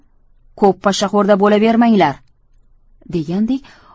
ko'p pashshaxo'rda bo'lavermanglar degandek